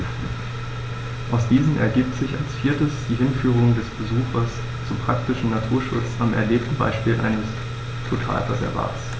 Aus diesen ergibt sich als viertes die Hinführung des Besuchers zum praktischen Naturschutz am erlebten Beispiel eines Totalreservats.